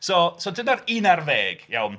So, so dyna'r un ar ddeg iawn.